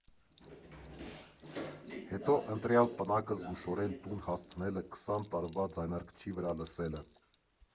Հետո ընտրյալ պնակը զգուշորեն տուն հասցնելը, քսան տարվա ձայնարկչի վրա լսելը։